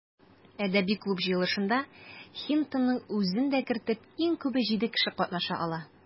Әдәби клуб җыелышында, Хинтонның үзен дә кертеп, иң күбе җиде кеше катнаша ала.